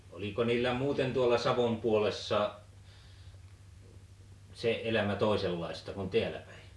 oliko niillä muuten tuolla Savon puolessa se elämä toisenlaista kuin täällä päin